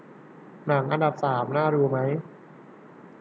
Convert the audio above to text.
หนังอันดับสามน่าดูไหม